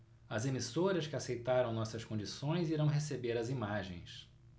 as emissoras que aceitaram nossas condições irão receber as imagens